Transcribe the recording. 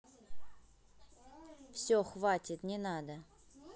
все хватит не надо